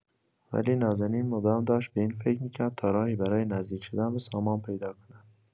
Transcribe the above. ولی نازنین مدام داشت به این فکر می‌کرد تا راهی برای نزدیک‌شدن به سامان پیدا کند.